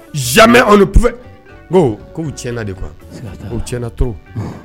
Jamais on ne pouvait , n ko, kow tiɲɛna de quoi u tiɲɛna trop